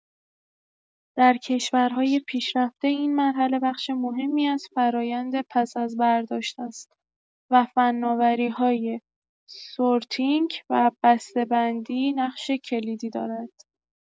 در کشورهای پیشرفته، این مرحله بخش مهمی از فرآیند پس از برداشت است و فناوری‌های سورتینگ و بسته‌بندی نقش کلیدی دارند.